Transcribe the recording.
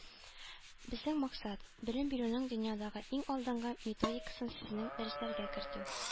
Безнең максат – белем бирүнең дөньядагы иң алдынгы методикасын сезнең дәресләргә кертү.